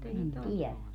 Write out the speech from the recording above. en tiedä